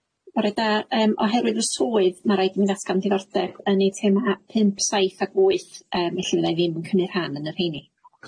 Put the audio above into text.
Bore da yym oherwydd fy swydd ma' raid i fi ddatgan diddordeb yn eitema pump saith ag wyth yym felly fyddai ddim yn cymryd rhan yn yr rheini.